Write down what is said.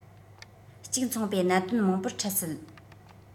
གཅིག མཚུངས པའི གནད དོན མང པོར འཕྲད སྲིད